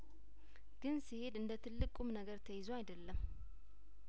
ግን ስሄድ እንደትልቅ ቁም ነገር ተይዞ አይደለም